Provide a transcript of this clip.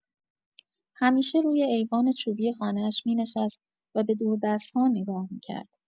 همیشه روی ایوان چوبی خانه‌اش می‌نشست و به دوردست‌ها نگاه می‌کرد.